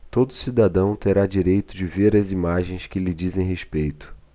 todo cidadão terá direito de ver as imagens que lhe dizem respeito